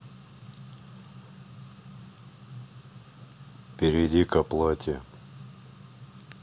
перейди к оплате